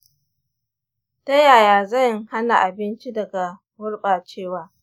ta yaya zan hana abinci daga gurɓacewa?